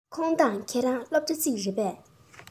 ཁོང དང ཁྱོད རང སློབ གྲྭ གཅིག རེད པས